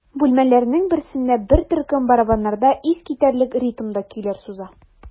Бүлмәләрнең берсендә бер төркем барабаннарда искитәрлек ритмда көйләр суза.